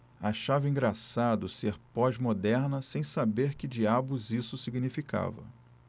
achava engraçado ser pós-moderna sem saber que diabos isso significava